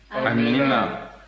amiina